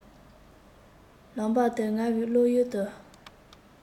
ལམ བར དུ ངའི བློ ཡུལ དུ